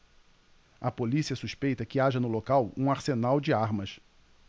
a polícia suspeita que haja no local um arsenal de armas